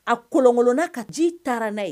A kolonkolon'a ka ji taara n'a ye.